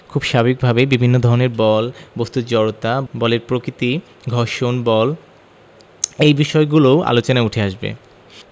খুব স্বাভাবিকভাবেই বিভিন্ন ধরনের বল বস্তুর জড়তা বলের প্রকৃতি ঘর্ষণ বল এই বিষয়গুলোও আলোচনায় উঠে আসবে